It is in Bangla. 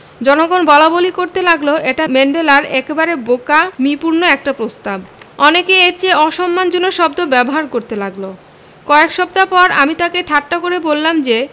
জনগণ বলাবলি করতে লাগল এটা ম্যান্ডেলার একেবারে বোকামিপূর্ণ একটা প্রস্তাব অনেকে এর চেয়ে অসম্মানজনক শব্দ ব্যবহার করতে লাগল কয়েক সপ্তাহ পর আমি তাঁকে ঠাট্টা করে বললাম যে